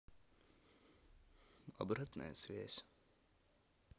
обратная связь